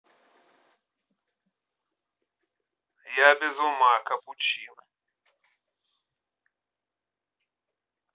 я без ума капучино